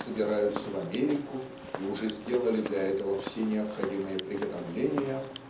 собираются в Америку и уже сделали для этого все необходимые приготовления